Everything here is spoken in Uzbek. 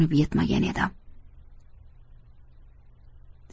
yetmagan edim